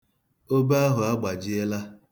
Obe ahụ agbajiela.